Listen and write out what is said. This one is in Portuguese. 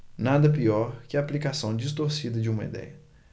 nada pior que a aplicação distorcida de uma idéia